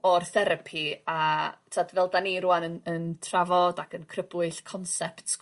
o'r therapi a t'od fel 'dan ni rŵan yn yn trafod ac yn crybwyll concepts